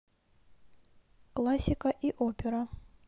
классика и опера